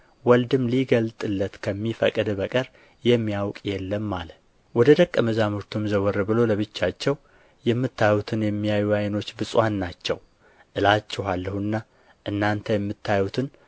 ወልድም ሊገልጥለት ከሚፈቅድ በቀር የሚያውቅ የለም አለ ወደ ደቀ መዛሙርቱም ዘወር ብሎ ለብቻቸው የምታዩትን የሚያዩ ዓይኖች ብፁዓን ናቸው እላችኋለሁና እናንተ የምታዩትን